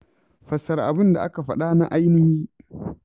Fassara Abin da aka faɗa na ainihi